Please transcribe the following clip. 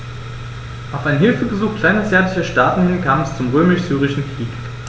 Auf ein Hilfegesuch kleinasiatischer Staaten hin kam es zum Römisch-Syrischen Krieg.